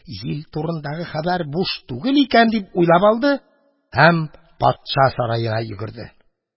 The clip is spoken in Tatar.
«җил турындагы хәбәр буш түгел икән», – дип уйлап алды һәм патша сараена йөгерде.